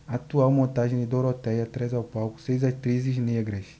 a atual montagem de dorotéia traz ao palco seis atrizes negras